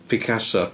Picasso.